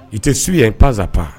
I tɛ su yan n panzsa pa